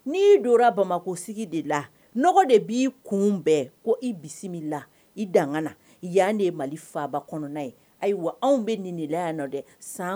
N' bamakɔ sigi la de b'i kun bɛɛ ko i bisimila i dan na yan de ye mali faa kɔnɔn ye ayiwa anw bɛ nin nin la nɔ dɛ